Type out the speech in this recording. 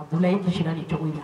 nin cogo in na